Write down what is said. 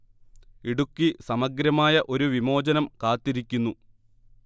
ഇടുക്കി സമഗ്രമായ ഒരു വിമോചനം കാത്തിരിക്കുന്നു